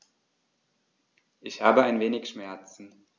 Ich habe ein wenig Schmerzen.